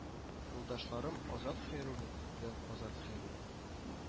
Юлдашларым Азат Хәйруллин белән Азат Хәйруллин